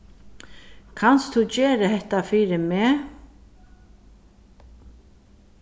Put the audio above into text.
kanst tú gera hetta fyri meg